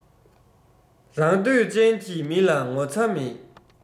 རང འདོད ཅན གྱི མི ལ ངོ ཚ མེད